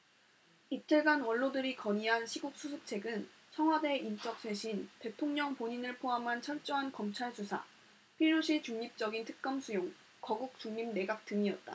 이틀간 원로들이 건의한 시국수습책은 청와대 인적 쇄신 대통령 본인을 포함한 철저한 검찰 수사 필요시 중립적인 특검 수용 거국중립내각 등이었다